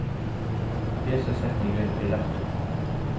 hesin setningurin er rættur